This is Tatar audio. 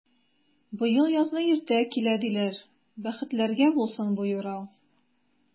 Быел язны иртә килә, диләр, бәхетләргә булсын бу юрау!